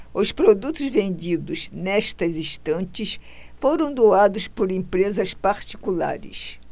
os produtos vendidos nestas estantes foram doados por empresas particulares